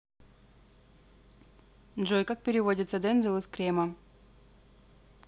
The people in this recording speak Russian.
джой как переводится дензел из крема